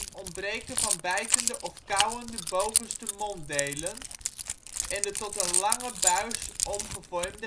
ontbreken van bijtende of kauwende bovenste monddelen (mandibels) en de tot een lange buis omgebouwde